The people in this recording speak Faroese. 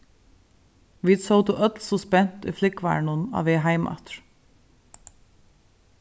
vit sótu øll so spent í flúgvaranum á veg heim aftur